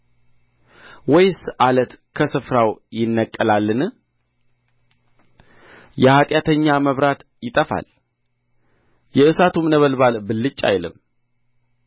ወይስ ዓለት ከስፍራው ይነቀላልን የኃጢአተኛ መብራት ይጠፋል የእሳቱም ነበልባል ብልጭ አይልም